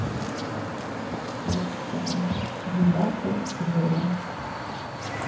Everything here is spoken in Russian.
фурцева девятая серия